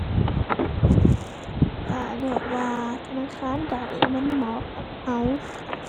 ก็เลือกว่าธนาคารใดมันเหมาะกับก็